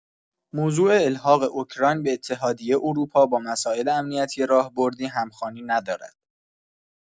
موضوع الحاق اوکراین به اتحادیه اروپا با مسائل امنیتی راهبردی همخوانی ندارد.